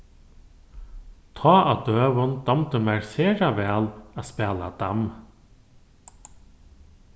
tá á døgum dámdi mær sera væl at spæla damm